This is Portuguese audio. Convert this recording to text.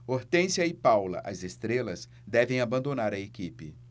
hortência e paula as estrelas devem abandonar a equipe